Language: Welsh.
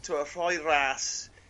t'wo' rhoi ras